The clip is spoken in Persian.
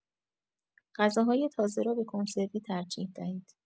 غذاهای تازه را به کنسروی ترجیح دهید.